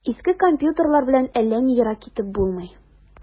Иске компьютерлар белән әллә ни ерак китеп булмый.